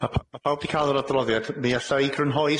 Ma' paw- ma' pawb 'di ca'l yr adroddiad mi alla i grynhoi